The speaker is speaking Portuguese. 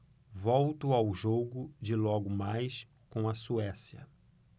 volto ao jogo de logo mais com a suécia